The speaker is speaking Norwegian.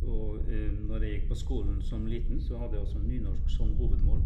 Og når jeg gikk på skolen som liten, så hadde jeg også nynorsk som hovedmål.